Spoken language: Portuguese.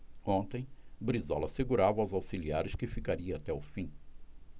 ontem brizola assegurava aos auxiliares que ficaria até o fim